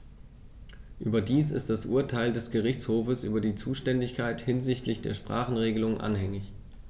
Überdies ist das Urteil des Gerichtshofes über die Zuständigkeit hinsichtlich der Sprachenregelung anhängig.